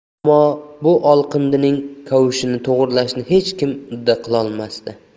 ammo bu olqindining kavushini to'g'rilashni hech kim udda qilolmasdi